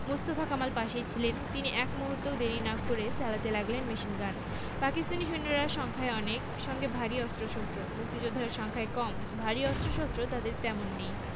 মোস্তফা কামাল পাশেই ছিলেন তিনি এক মুহূর্তও দেরি না করে চালাতে লাগলেন মেশিনগান পাকিস্তানি সৈন্যরা সংখ্যায় অনেক সঙ্গে ভারী অস্ত্রশস্ত্র মুক্তিযোদ্ধারা সংখ্যায় কম ভারী অস্ত্রশস্ত্র তাঁদের তেমন নেই